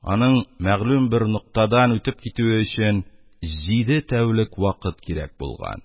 Аның мәгълүм бер ноктадан үтеп китүе өчен җиде тәүлек вакыт кирәк булган.